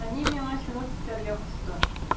Әни миңа чыгып китәргә кушты.